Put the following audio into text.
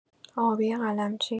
آبی قلمچی